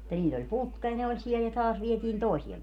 mutta niillä oli putka ja ne oli siellä ja taas vietiin toiseen